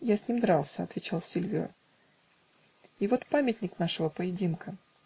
-- Я с ним дрался, -- отвечал Сильвио, -- и вот памятник нашего поединка.